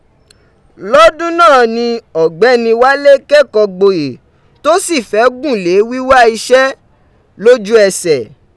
Lọdun náà ni Ọgbẹni Wálé kẹkọọ gboye to si fẹ gun le wiwa iṣẹ loju ẹsẹ.